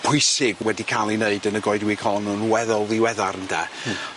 wysig wedi ca'l 'u wneud yn weddol ddiweddar ynde? Hmm.